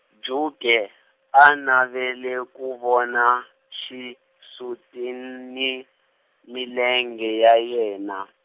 Jake, a navela ku vona, xisuti ni, milenge ya yena.